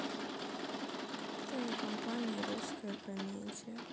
кинокомпания русская комедия